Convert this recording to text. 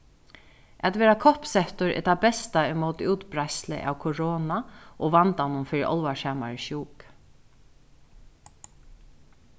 at verða koppsettur er tað besta ímóti útbreiðslu av korona og vandanum fyri álvarsamari sjúku